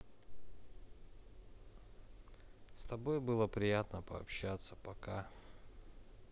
с тобой было приятно пообщаться пока